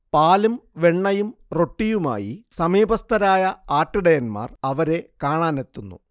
പാലും വെണ്ണയും റൊട്ടിയുമായി സമീപസ്തരായ ആട്ടിടയന്മാർ അവരെ കാണാനെത്തുന്നു